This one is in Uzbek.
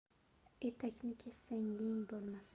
etakni kessang yeng bo'lmas